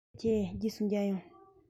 ཐུགས རྗེ ཆེ རྗེས སུ མཇལ ཡོང